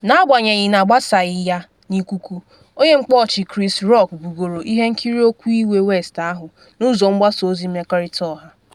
N’agbanyeghị na agbasaghị ya n’ikuku, onye mkpa ọchị Chris Rock bugoro ihe nkiri okwu iwe West ahụ na ụzọ mgbasa ozi mmekọrịta ọha.